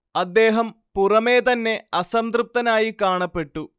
അദ്ദേഹം പുറമേ തന്നെ അസംതൃപ്തനായി കാണപ്പെട്ടു